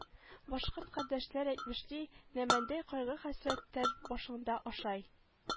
Башкорт кардәшләр әйтмешли нәмәндәй кайгы-хәсрәттәр башыңды ашай